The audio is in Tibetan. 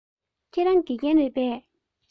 ཁྱེད རང དགེ རྒན རེད པས